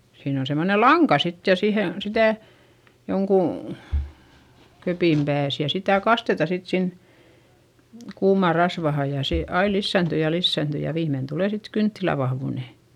siinä on semmoinen lanka sitten ja siihen sitä jonkun kepin päässä ja sitä kastetaan sitten sinne kuumaan rasvaan ja se aina lisääntyy ja lisääntyy ja viimein tulee sitten kynttilän vahvuinen